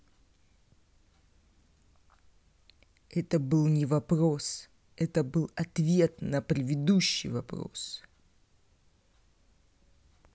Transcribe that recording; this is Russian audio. это был не вопрос это был ответ на предыдущий вопрос